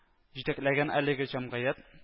Җитәкләгән әлеге җәмгыять –